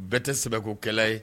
Bɛɛ tɛ sɛkokɛla ye